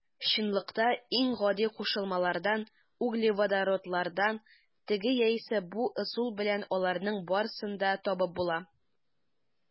Чынлыкта иң гади кушылмалардан - углеводородлардан теге яисә бу ысул белән аларның барысын да табып була.